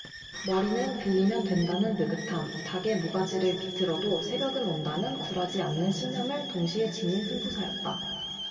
머리는 빌리면 된다는 느긋함 닭의 모가지를 비틀어도 새벽은 온다는 굴하지 않는 신념을 동시에 지닌 승부사였다